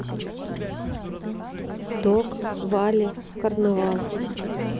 ток вали карнавал